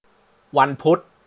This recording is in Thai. วันพุธ